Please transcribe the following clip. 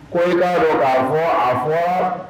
Ko'a bɛ b'a fɔ a fɔ